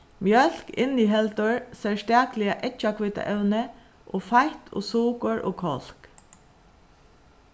mjólk inniheldur serstakliga eggjahvítaevni og feitt og sukur og kálk